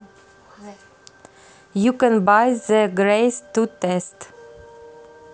you can by the grace to test